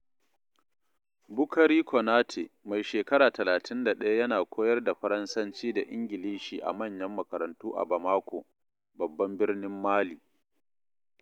Bourkary Konaté, mai shekara 31 yana koyar da Faransanci da Ingilishi a manyan makarantu a Bamako, babban birnin Mali.